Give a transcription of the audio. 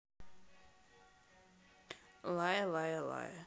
лай лай лай